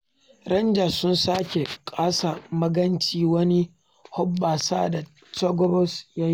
Rangers sun sake kasa magance wani hoɓɓasa da Jacobs ya yi.